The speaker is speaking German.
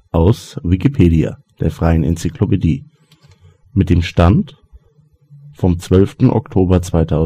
aus Wikipedia, der freien Enzyklopädie. Mit dem Stand vom Der